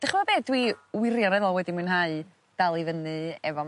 'Dych ch'mo' be' dwi wirioneddol wedi mwynhau dal i fyny efo...